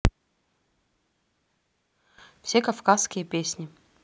все кавказские песни